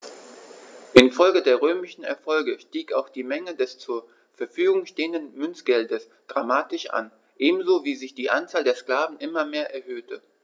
Infolge der römischen Erfolge stieg auch die Menge des zur Verfügung stehenden Münzgeldes dramatisch an, ebenso wie sich die Anzahl der Sklaven immer mehr erhöhte.